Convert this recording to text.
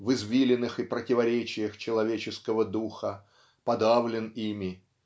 в извилинах и противоречиях человеческого духа подавлен ими